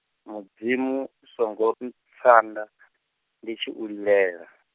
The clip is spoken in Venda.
Mudzimu u songo ntshanda , ndi tshi u lilela.